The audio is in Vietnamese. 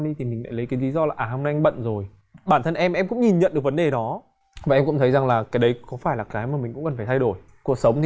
đi thì mình lại lấy cái lý do là à hôm nay anh bận rồi bản thân em em cũng nhìn nhận được vấn đề đó và em cũng thấy rằng là cái đấy có phải là cái mà mình cũng cần phải thay đổi cuộc sống thì